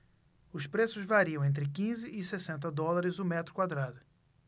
os preços variam entre quinze e sessenta dólares o metro quadrado